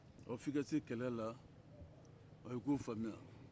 ɔ fɔ i ka se kɛle la i k'o faamuya